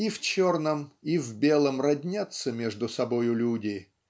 И в черном, и в белом роднятся между собою люди.